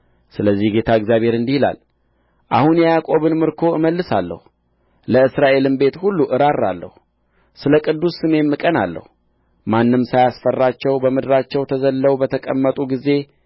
ስለዚህ ጌታ እግዚአብሔር እንዲህ ይላል አሁን የያዕቆብን ምርኮ እመልሳለሁ ለእስራኤልም ቤት ሁሉ እራራለሁ ስለ ቅዱስ ስሜም እቀናለሁ ማንም ሳያስፈራቸው በምድራቸው ተዘልለው በተቀመጡ ጊዜ